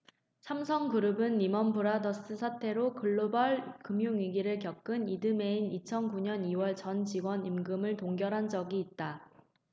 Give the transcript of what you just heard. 삼성그룹은 리먼브라더스 사태로 글로벌 금융위기를 겪은 이듬해인 이천 구 년 이 월 전 직원 임금을 동결한 적이 있다